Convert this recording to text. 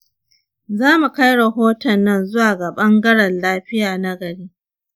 zamu kai rahoton nan zuwa ga ɓangaren lafiya na gari.